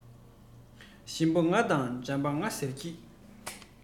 ཞིམ པོ ང དང འཇམ པོ ང ཟེར གྱི